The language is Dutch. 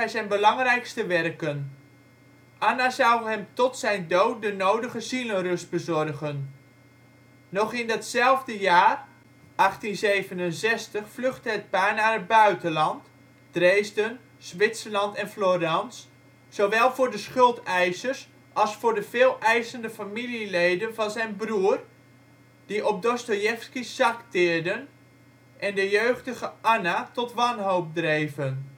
zijn belangrijkste werken. Anna zou hem tot zijn dood de nodige zielenrust bezorgen. Nog in datzelfde jaar 1867 vluchtte het paar naar het buitenland (Dresden, Zwitserland en Florence) zowel voor de schuldeisers als voor de veeleisende familieleden van zijn broer, die op Dostojevski 's zak teerden en de jeugdige Anna tot wanhoop dreven